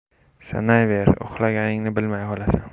sanayver uxlaganingni bilmay qolasan